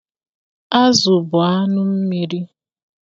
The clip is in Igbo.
azụ bụ anụmmiri